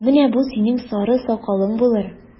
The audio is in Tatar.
Менә бу синең сары сакалың булыр!